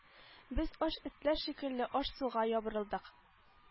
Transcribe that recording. Без ач этләр шикелле аш-суга ябырылдык